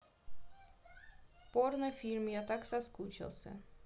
порно фильм я так соскучился